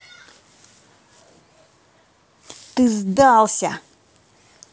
ты сдался